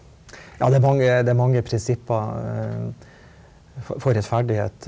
ja det er mange det er mange prinsipper for rettferdighet.